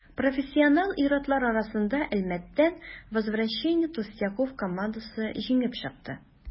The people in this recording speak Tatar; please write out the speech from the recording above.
Профессионал ир-атлар арасында Әлмәттән «Возвращение толстяков» командасы җиңеп чыкты.